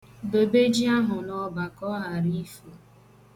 Dobe ji ahụ n' ọba ka ọ ghara ifu.